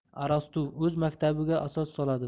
arastu o'z maktabiga asos soladi